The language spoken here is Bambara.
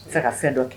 Fo fɛ ka fɛn dɔ kɛ